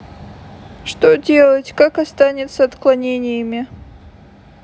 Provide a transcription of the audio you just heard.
что делать как останется отклонениями